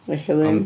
Ella ddim.